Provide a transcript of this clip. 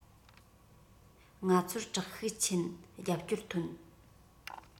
ང ཚོར བཀྲག ཤུགས ཆེན རྒྱབ སྐྱོར ཐོན